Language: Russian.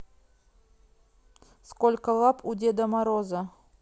сколько лап у деда мороза